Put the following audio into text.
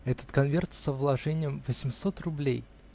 -- Этот конверт со вложением восьмисот рублей.